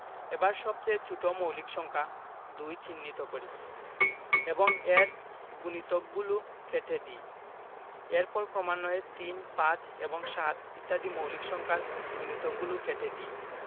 এবার সবচেয়ে ছোট মৌলিক সংখ্যা ২ চিহ্নিত করি এবং এর গুণিতকগলো কেটে দেই এরপর ক্রমান্বয়ে ৩ ৫ এবং ৭ ইত্যাদি মৌলিক সংখ্যার গুণিতকগুলো কেটে দিই